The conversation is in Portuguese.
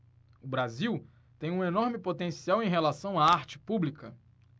o brasil tem um enorme potencial em relação à arte pública